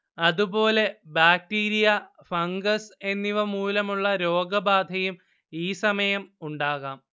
അതുപോലെ bacteria, fungus എന്നിവമൂലമുള്ള രോഗബാധയും ഈ സമയം ഉണ്ടാകാം